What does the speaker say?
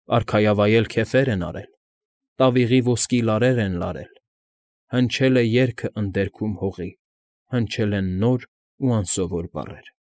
Արքայավայել քեֆեր են արել, Տավիղի ոսկի լարերն են լարել, Հնչել է երգը ընդերքում հողի, Հնչել են նոր ու անսովոր բառեր։